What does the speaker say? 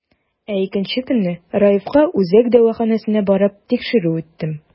Ә икенче көнне, Раевка үзәк дәваханәсенә барып, тикшерү үттем.